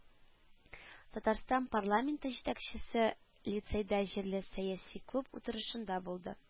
Татарстан парламенты җитәкчесе лицейда җирле “сәяси клуб” утырышында булды